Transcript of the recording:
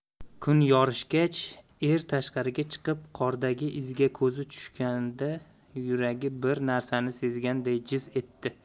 kun yorishgach er tashqariga chiqib qordagi izga ko'zi tushganida yuragi bir narsani sezganday jiz etdi